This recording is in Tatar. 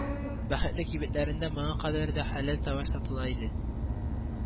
Бәхетле кибетләрендә моңа кадәр дә хәләл тавар сатыла иде